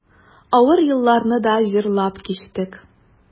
Авыр елларны да җырлап кичтек.